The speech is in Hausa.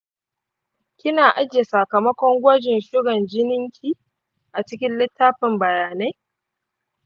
kina ajiye sakamakon gwajin sugan jinin ki acikin littafin bayanai?